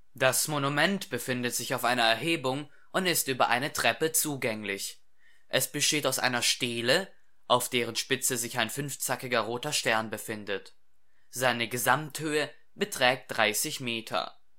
Das Monument befindet sich auf einer Erhebung und ist über eine Treppe zugänglich. Es besteht aus einer Stele, auf deren Spitze sich ein fünfzackiger Roter Stern befindet. Seine Gesamthöhe beträgt 30 Meter